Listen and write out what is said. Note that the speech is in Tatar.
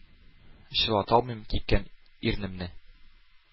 Чылаталмыйм кипкән ирнемне!